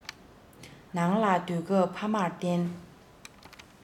ནང ལ སྡོད སྐབས ཕ མར བརྟེན